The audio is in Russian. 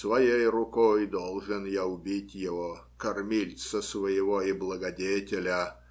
своей рукой должен я убить его, кормильца своего и благодетеля.